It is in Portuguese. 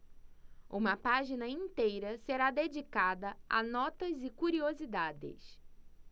uma página inteira será dedicada a notas e curiosidades